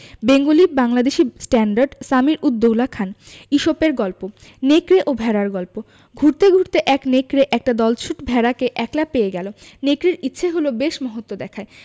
Bengali Bangladeshi standard Samir ud Daula Khan ইসপের গল্প নেকড়ে ও ভেড়ার গল্প ঘুরতে ঘুরতে এক নেকড়ে একটা দলছুট ভেড়াকে একলা পেয়ে গেল নেকড়ের ইচ্ছে হল বেশ মহত্ব দেখায়